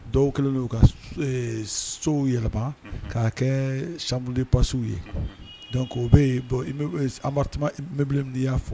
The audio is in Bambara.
Dɔw kɛlen do ka s eee sow yɛlɛma unhun k'a kɛɛ sadi chambre de passe u ye unhun donc o be ye bon immeuble e s appartement immeuble min n'i y'a fɔ